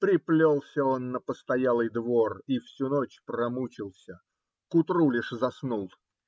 Приплелся он на постоялый двор и всю ночь промучился: к утру лишь заснул.